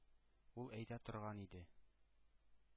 Ул әйтә торган иде.